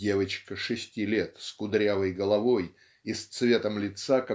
"девочка шести лет с кудрявой головой и с цветом лица